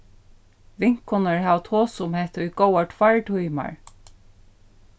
vinkonurnar hava tosað um hetta í góðar tveir tímar